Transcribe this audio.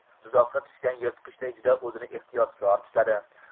tuzoqqa tushgan yirtqichday juda o'zini ehtiyotkor tutadi